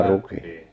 läppiin